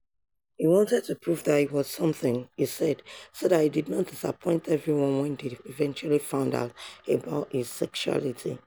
He wanted to prove that he was "something," he said, so that he did not disappoint everyone when they eventually found out about his sexuality.